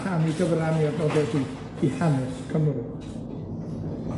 am 'i gyfraniad fel roedd hi i hanes Cymru.